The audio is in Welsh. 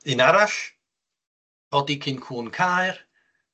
Un arall, codi cyn cŵn Caer.